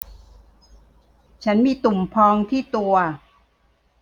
ฉันมีตุ่มพองที่ตัว